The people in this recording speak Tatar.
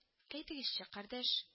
Әйтсәгезче, кардәш